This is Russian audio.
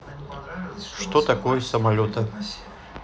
что такое самолета